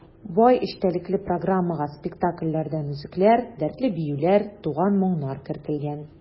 Бай эчтәлекле программага спектакльләрдән өзекләр, дәртле биюләр, туган моңнар кертелгән.